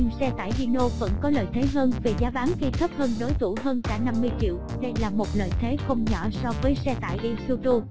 nhưng xe tải hino vẫn có lợi thế hơn về giá bán khi thấp hơn đối thủ hơn cả triệu đây là một lợi thế hơn không nhỏ so với xe tải isuzu